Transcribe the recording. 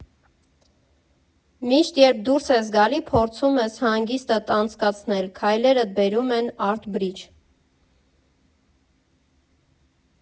Միշտ, երբ դուրս ես գալիս, փորձում ես հանգիստդ անցկացնել, քայլերդ բերում են Արտ Բրիջ։